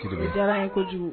Dugu diyara in kojugu